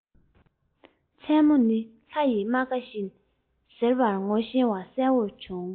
མཚན མོ ནི ལྷ ཡི རྨ ཁ ཡིན ཟེར པར ངེས ཤེས གསལ བོ བྱུང